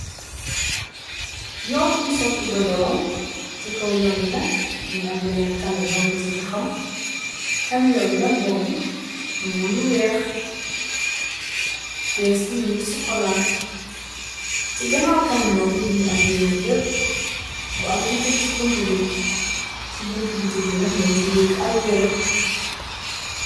Yoon bunj sooti godoro, si kaw yoon bi nak mingi am benne kamiyon bu si taxaw, kamiyon bi nak bopp bi mingi am lu weex, kess ngi mingi sokola, ci gannaw kamiyon bi mingi am benne ker bu am bitig si buntu bi, si buntu bitig bi nak nyun si wekk ay yire.